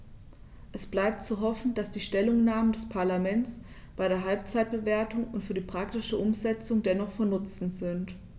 Es bleibt zu hoffen, dass die Stellungnahmen des Parlaments bei der Halbzeitbewertung und für die praktische Umsetzung dennoch von Nutzen sind.